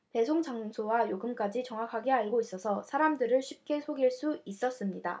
배송장소와 요금까지 정확히 알고 있어서 사람들을 쉽게 속일 수 있었습니다